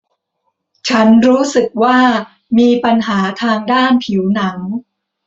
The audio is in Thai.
ฉันรู้สึกว่ามีปัญหาทางด้านผิวหนัง